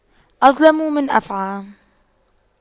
أظلم من أفعى